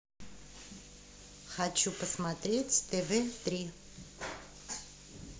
хочу посмотреть тв три